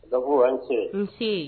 Gauran an cɛ hhun